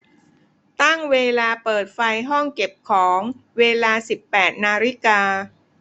ตั้งเวลาเปิดไฟห้องเก็บของเวลาสิบแปดนาฬิกา